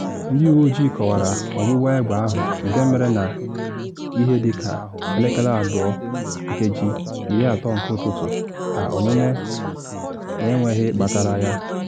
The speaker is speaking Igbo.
Ndị uwe ojii kọwara ọgbụgba egbe ahụ, nke mere n’ihe dị ka 02:30 BST, ka “omume na enweghị kpatara ya.”